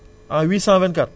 624